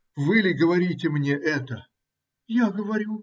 Вы ли говорите мне это? - Я говорю.